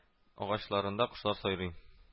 Агачларында кошлар сайрый